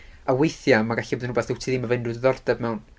A weithiau, ma'n gallu bod yn wbath dwyt ti ddim efo unrhyw ddiddordeb mewn.